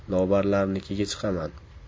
lobarlarnikiga chiqaman